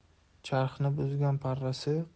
charxni buzgan parrasi